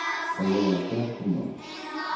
tað ljóðar stak hugnaligt